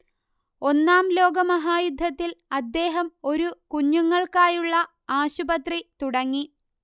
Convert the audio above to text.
ഒന്നാം ലോകമഹായുദ്ധത്തിൽ അദ്ദേഹം ഒരു കുഞ്ഞുങ്ങൾക്കാായുള്ള ആശുപത്രി തുടങ്ങി